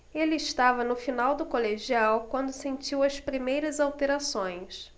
ele estava no final do colegial quando sentiu as primeiras alterações